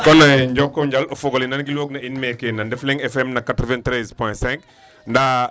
kon